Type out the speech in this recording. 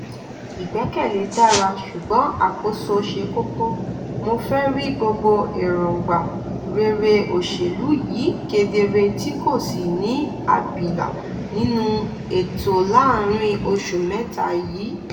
"Ìgbẹ́kẹ̀lé dára, ṣùgbọ́n àkóso ṣe kókó!" [..] mo fẹ́ rí gbogbo èròńgbà rere òṣèlú yìí kedere tí kò sì ní abìlà nínú ètò láàárín oṣù mẹ́ta yìí!